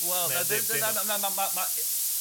Wel na ddim na na na ma' ma' ma' i-.